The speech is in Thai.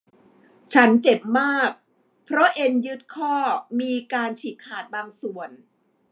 ฉันเจ็บมากเพราะเอ็นยึดข้อมีการฉีกขาดบางส่วน